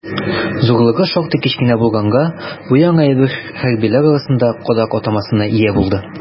Зурлыгы шактый кечкенә булганга, бу яңа әйбер хәрбиләр арасында «кадак» атамасына ия булды.